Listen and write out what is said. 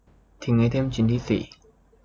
ทิ้งไอเทมชิ้นที่สี่